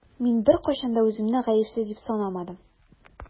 Мин беркайчан да үземне гаепсез дип санамадым.